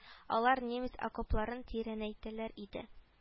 Алар немец окопларын тирәнәйтәләр иде